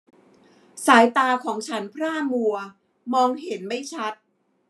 สายตาของฉันพร่ามัวมองเห็นไม่ชัด